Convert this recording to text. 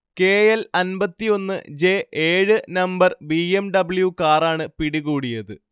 കെഎൽ-അൻപത്തൊന്ന് -J ഏഴ്‌ number B. M. W കാറാണ് പിടികൂടിയത്